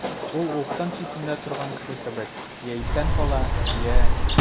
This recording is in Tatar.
Ул упкын читендә торган кеше кебек— я исән кала, я...